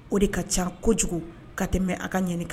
O de ka ca kojugu ka tɛmɛ a ka ɲani kan